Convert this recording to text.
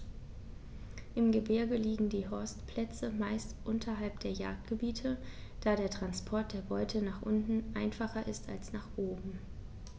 Im Gebirge liegen die Horstplätze meist unterhalb der Jagdgebiete, da der Transport der Beute nach unten einfacher ist als nach oben.